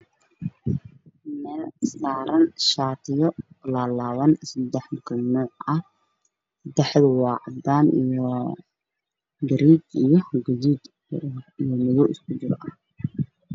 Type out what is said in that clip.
Meeshaan waxaa saaran shaatiyo laalaaban oo seddex xabo ah midabkoodu waa cadaan, garee iyo gaduud iyo madow iskugu jiro.